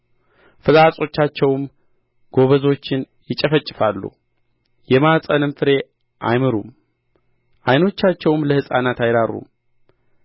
ፍላጾቻቸውም ጎበዞችን ይጨፈጭፋሉ የማኅፀንንም ፍሬ አይምሩም ዓይኖቻቸውም ለሕፃናት አይራሩም